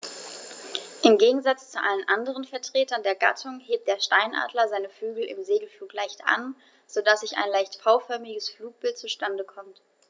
Im Gegensatz zu allen anderen Vertretern der Gattung hebt der Steinadler seine Flügel im Segelflug leicht an, so dass ein leicht V-förmiges Flugbild zustande kommt.